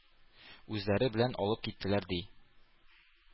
Үзләре белән алып киттеләр, ди,